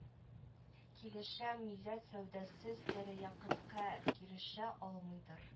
Килешәм милләт сәүдәсез тәрәякытка ирешә алмыйдыр